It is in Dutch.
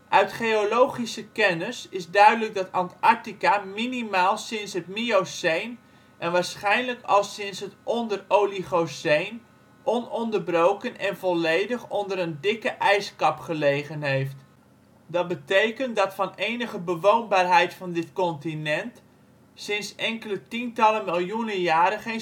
Uit geologische gegevens is duidelijk dat Antarctica minimaal sinds het Mioceen en waarschijnlijk al sinds het Onder Oligoceen ononderbroken en volledig onder een dikke ijskap gelegen heeft. Dat betekent dat van enige bewoonbaarheid van dit continent sinds enkele tientallen miljoenen jaren